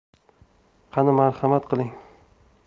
qani marhamat qiling